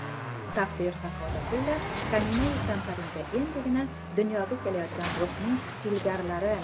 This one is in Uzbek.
taqdir taqozosi ila kaminai kamtaringa endigina dunyoga kelayotgan ruhning ilgarilari